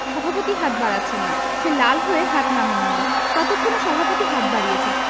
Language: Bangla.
সভাপতি হাত বাড়াচ্ছেন না সে লাল হয়ে হাত নামিয়ে নিল ততক্ষনে সভাপতি হাত বাড়িয়েছেন